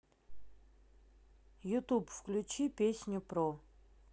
ютуб включи песню про